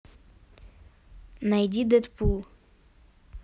найди дэдпул